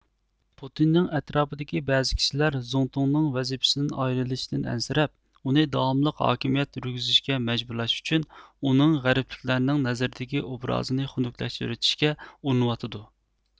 پۇتىننىڭ ئەتراپىدىكى بەزى كىشىلەر زۇڭتۇڭنىڭ ۋەزىپىسىدىن ئايرىلىشىدىن ئەنسىرەپ ئۇنى داۋاملىق ھاكىمىيەت يۈرگۈزۈشكە مەجبۇرلاش ئۈچۈن ئۇنىڭ غەربلىكلەرنىڭ نەزىرىدىكى ئوبرازىنى خۈنۈكلەشتۈرۈۋېتىشكە ئۇرۇنۇۋاتىدۇ